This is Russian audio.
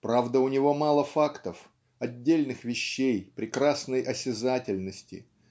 Правда, у него мало фактов, отдельных вещей, прекрасной осязательности